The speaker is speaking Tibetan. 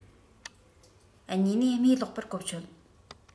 གཉིས ནས རྨོས སློག པར གོ ཆོད